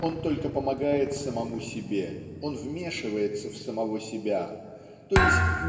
он только помогает самому себе, он вмешивается в самого себя, т. е.